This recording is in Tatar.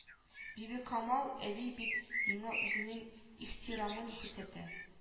Бибикамал әби бит миңа үзенең ихтирамын күрсәтә